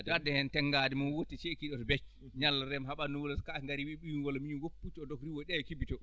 wadda heen tenngaade mum wutte ceekiiɗo to becce ñalla rem haa ɓalndu wula so kaake ngarii wiya ɓiyum walla miñum woppu pucci o dog riiwoy ɗeya kibbito